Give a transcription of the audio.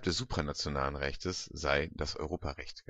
Supranationales Recht Europarecht